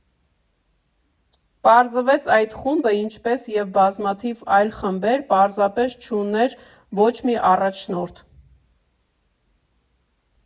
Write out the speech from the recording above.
Պարզվեց, այդ խումբը, ինչպես և բազմաթիվ այլ խմբեր, պարզապես չուներ ոչ մի առաջնորդ։